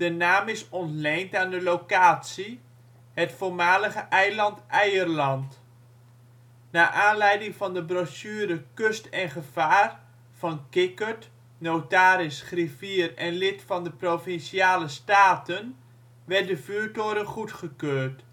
naam is ontleend aan de locatie: het voormalige eiland Eierland. Naar aanleiding van de brochure Kust en Gevaar van Kikkert, notaris, griffier en lid van de Provinciale Staten werd een vuurtoren goedgekeurd